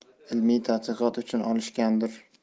ilmiy tadqiqot uchun olishgandir